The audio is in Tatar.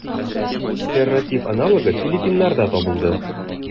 Эрратив аналогы филиппиннарда табылды.